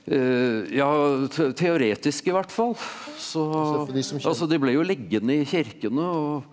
ja teoretisk i hvert fall så altså det ble jo liggende i kirkene og.